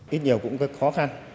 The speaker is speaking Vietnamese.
ít nhiều cũng gây khó khăn